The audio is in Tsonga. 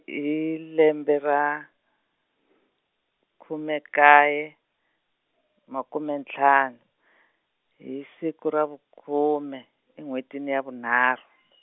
hi lembe ra , khume kaye , makume ntlhanu , hi siku ra vukhume e nwheti ni ya vunharhu .